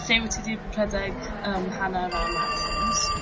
Lle wyt ti 'di rhedeg yym hanner a marathons?